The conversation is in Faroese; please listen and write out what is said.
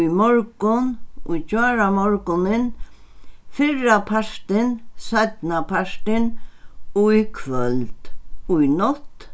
í morgun í gjáramorgunin fyrrapartin seinnapartin í kvøld í nátt